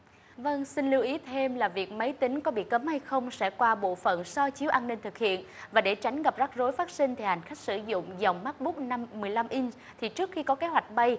vâng xin lưu ý thêm là việc máy tính có bị cấm hay không sẽ qua bộ phận soi chiếu an ninh thực hiện và để tránh gặp rắc rối phát sinh thì hành khách sử dụng dòng mác búc năm mươi lăm inh thì trước khi có kế hoạch bay